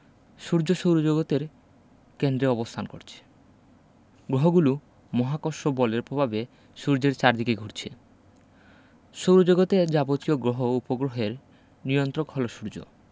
সূর্য সৌরজগতের কেন্দ্রে অবস্থান করছে গ্রহগুলো মহাকর্ষ বলের ভাবে সূর্যের চারদিকে ঘুরছে সৌরজগতের যাবতীয় গ্রহউপগ্রহের নিয়ন্ত্রক হলো সূর্য